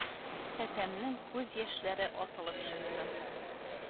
Тәтәмнең күз яшьләре атылып чыкты